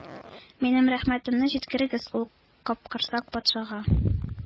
Минем рәхмәтемне җиткерегез ул Капкорсак патшага,